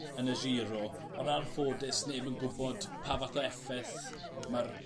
yn y Giro on' yn anffodus sneb yn gwbod pa fath o effeth ma'r